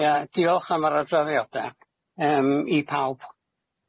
Ia diolch am yr adroddiada yym i pawb.